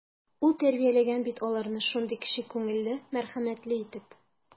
Ул тәрбияләгән бит аларны шундый кече күңелле, мәрхәмәтле итеп.